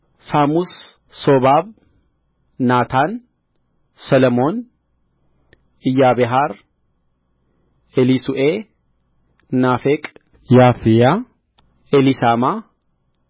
ሳሙስ ሶባብ ናታን ሰሎሞን ኢያቤሐር ኤሊሱዔ ናፌቅ ያፍያ ኤሊሳማ